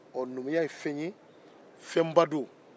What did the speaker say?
ɔ numuya ye fɛn ye fɛnba don